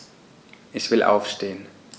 Ich will aufstehen.